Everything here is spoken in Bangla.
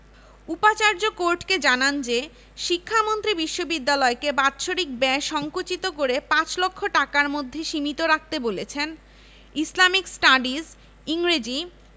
উপাচার্য কোর্টকে জানান যে শিক্ষামন্ত্রী বিশ্ববিদ্যালয়কে বাৎসরিক ব্যয় সংকুচিত করে পাঁচ লক্ষ টাকার মধ্যে সীমিত রাখতে বলেছেন ইসলামিক স্টাডিজ ইংরেজি